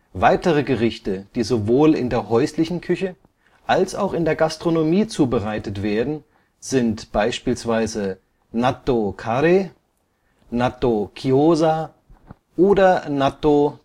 Weitere Gerichte, die sowohl in der häuslichen Küche als auch in der Gastronomie zubereitet werden, sind beispielsweise Nattō-Karē, Nattō-Gyōza oder Nattō-Tōfu